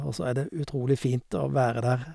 Og så er det utrolig fint å være der.